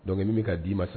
Donc min bɛ ka d'i ma sa